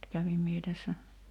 kävin minä tässä